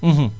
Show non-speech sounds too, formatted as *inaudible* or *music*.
*hesitation* *hesitation*